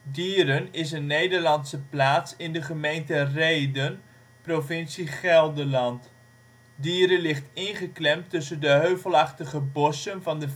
Dieren is een Nederlandse plaats in de gemeente Rheden (provincie Gelderland). Dieren ligt ingeklemd tussen de heuvelachtige bossen van de